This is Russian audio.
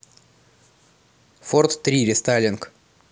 форд три рестайлинг